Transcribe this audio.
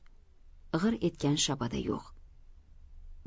g'ir etgan shabada yo'q